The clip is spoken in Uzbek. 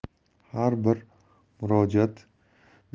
har bir murojaat nazoratga olingan